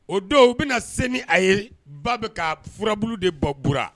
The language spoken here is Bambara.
O don u bɛna na se ni a ye ba bɛ ka furabu de bɔ bu